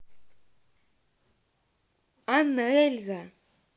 анна эльза